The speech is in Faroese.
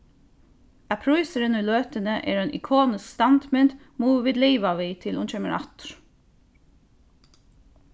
at prísurin í løtuni er ein ikonisk standmynd mugu vit liva við til hon kemur aftur